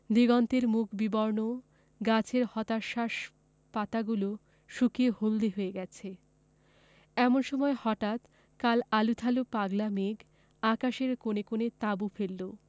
দিগন্তের মুখ বিবর্ণ গাছের হতাশ্বাস পাতাগুলো শুকিয়ে হলদে হয়ে গেছে এমন সময় হঠাৎ কাল আলুথালু পাগলা মেঘ আকাশের কোণে কোণে তাঁবু ফেললো